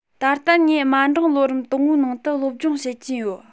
ད ལྟ ངས དམའ འབྲིང ལོ རིམ དང པོའི ནང དུ སློབ སྦྱོང བྱེད ཀྱིན ཡོད